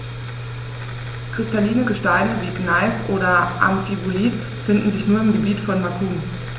Kristalline Gesteine wie Gneis oder Amphibolit finden sich nur im Gebiet von Macun.